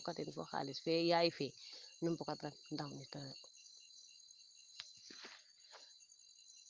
sa fokatin fo xalis fee yaay fee nu mbokat ran ndetoyo